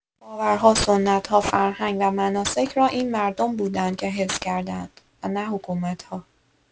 باورها، سنت‌ها، فرهنگ و مناسک را این مردم بوده‌اند که حفظ کرده‌اند و نه حکومت‌ها.